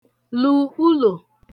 lu ulò